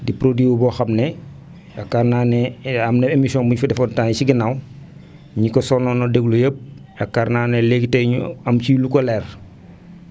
di produit boo xam ne yaakaar naa ne am na émission bu ñu fi defoon temps yii si ginnaaw ñi ko sonnoon a déglu yëpp yaakaar naa ne léegi tey ñu am si lu ko leer